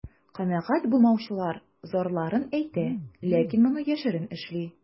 Канәгать булмаучылар зарларын әйтә, ләкин моны яшерен эшли.